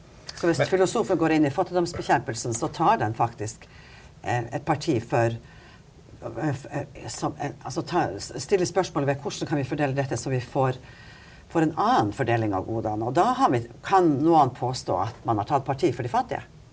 så hvis filosofen går inn i fattigdomsbekjempelsen så tar dem faktisk et parti for altså ta stille spørsmål ved hvordan kan vi fordele dette så vi får får en annen fordeling av godene og da har vi kan noen påstå at man har tatt parti for de fattige.